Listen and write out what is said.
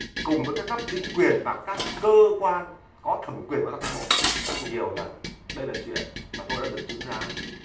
cùng với các cấp chính quyền và các cơ quan có thẩm quyền và các cán bộ đã nhiều lần đây là chuyện mà tôi đã được chứng giám